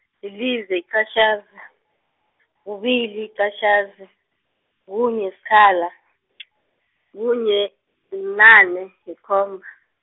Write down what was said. lilize yiqatjhaza, kubili yiqatjhazi, kunye sikhala, kunye, kunane, nekhomba.